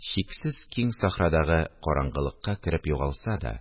Чиксез киң сахрадагы караңгылыкка кереп югалса да,